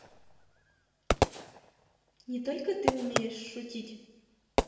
не только ты умеешь шутить